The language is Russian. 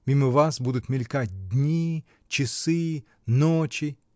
мимо вас будут мелькать дни, часы, ночи.